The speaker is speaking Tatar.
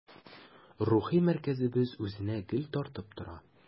Рухи мәркәзебез үзенә гел тартып тора.